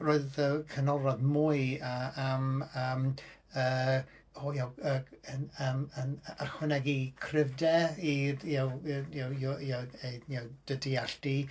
Roedd y canolradd mwy a- am am yy yg- yy yym yym ychwanegu cryfder i y'know y'know y'know dy deall di.